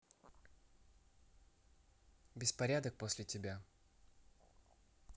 беспорядок после тебя